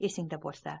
esingda bo'lsa